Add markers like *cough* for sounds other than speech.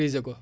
*hesitation* *hesitation*